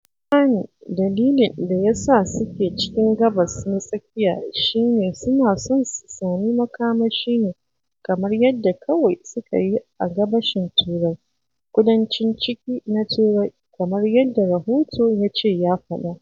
"Na yi imani dalilin da ya sa suke cikin Gabas ta Tsakiya shi ne suna son su sami makamashi ne kamar yadda kawai suka yi a gabashin Turai, kudancin ciki na Turai," kamar yadda rahoto ya ce ya faɗa.